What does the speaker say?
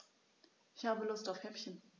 Ich habe Lust auf Häppchen.